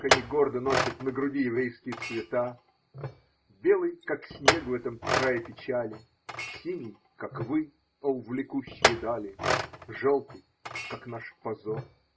как они гордо носят на груди еврейские цвета: Белый – как снег в этом крае печали Синий – как вы, о влекущие дали Желтый – как наш позор.